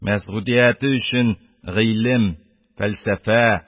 Мәсгудияте өчен гыйлем, фәлсәфә,